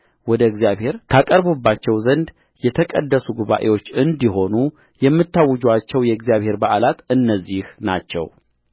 ወደ እግዚአብሔር ታቀርቡባቸው ዘንድ የተቀደሱ ጉባኤዎች እንዲሆኑ የምታውጁአቸው የእግዚአብሔር በዓላት እነዚህ ናቸው